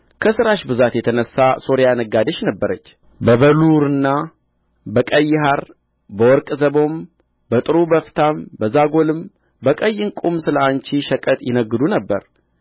ከሥራሽ ብዛት የተነሣ ሶርያ ነጋዴሽ ነበረች በበሉርና በቀይ ሐር በወርቀ ዘቦም በጥሩ በፍታም በዛጐልም በቀይ ዕንቍም ስለ አንቺ ሸቀጥ ይነግዱ ነበር